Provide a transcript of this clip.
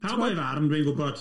Pawb a'i farn, dwi'n gwybod.